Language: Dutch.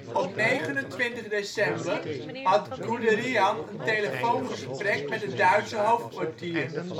Op 29 december had Guderian een telefoongesprek met het Duitse hoofdkwartier